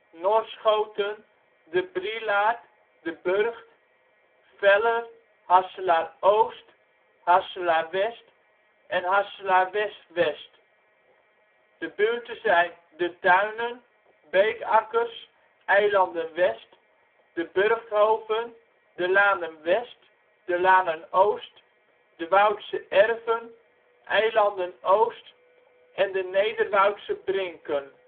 Norschoten, De Brielaerd, De Burgt, Veller Harselaar-Oost, Harselaar-West en Harselaar-West-West. De buurten zijn: De Tuinen, Beekakkers, Eilanden West, De Burgthoven, De Lanen West, De Lanen Oost, De Woudse Erven, Eilanden Oost en De Nederwoudse Brinken